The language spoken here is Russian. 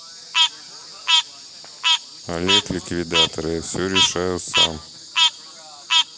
олег ликвидатор я все решаю сам